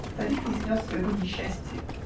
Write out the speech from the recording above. Старик не снес своего несчастья